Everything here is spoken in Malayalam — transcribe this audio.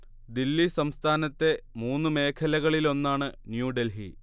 ദില്ലി സംസ്ഥാനത്തെ മൂന്നു മേഖലകളിൽ ഒന്നാണ് ന്യൂ ഡെൽഹി